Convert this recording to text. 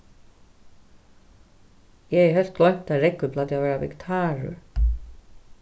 eg hevði heilt gloymt at rógvi plagdi at vera vegetarur